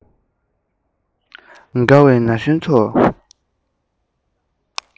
དགའ བའི ན གཞོན ཚོ